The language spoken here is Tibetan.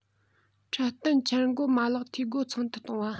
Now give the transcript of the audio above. འཕྲལ བསྟུན འཆར འགོད མ ལག འཐུས སྒོ ཚང དུ གཏོང བ